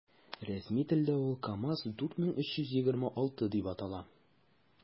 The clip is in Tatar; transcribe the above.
Рәсми телдә ул “КамАЗ- 4326” дип атала.